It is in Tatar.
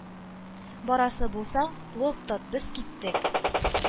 Барасы булсаң, куып тот, без киттек,